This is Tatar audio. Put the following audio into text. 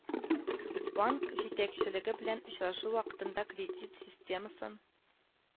Банк итәкчелеге белән очрашу вакытында кредит системасын